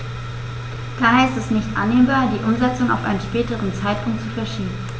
Daher ist es nicht annehmbar, die Umsetzung auf einen späteren Zeitpunkt zu verschieben.